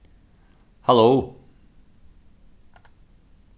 halló